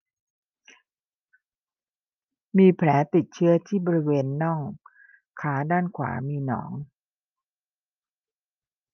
มีแผลติดเชื้อที่บริเวณน่องขาด้านขวามีหนอง